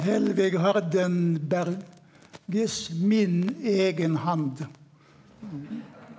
Helvig Hardenberg gis min egen hand.